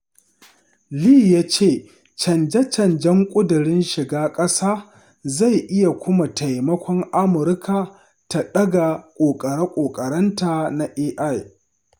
Lee ya ce canje-canjen ƙudurin shiga ƙasa zai iya kuma taimakon Amurka ta daga ƙoƙare-ƙoƙarenta na AI.